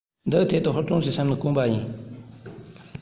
འདིའི ཐད ཀྱི ཧུར བརྩོན བྱེད སེམས ནི དཀོན པ ཡིན